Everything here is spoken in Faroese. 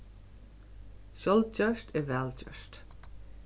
sjálvgjørt er væl gjørt